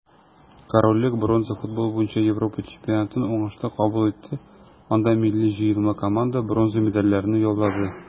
Корольлек бронза футбол буенча Европа чемпионатын уңышлы кабул итте, анда милли җыелма команда бронза медальләрне яулады.